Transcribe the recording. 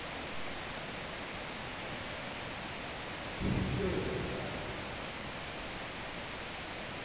веселая сахара